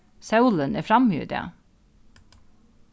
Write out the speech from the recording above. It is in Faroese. sólin er frammi í dag